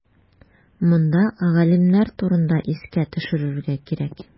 Монда галимнәр турында искә төшерергә кирәк.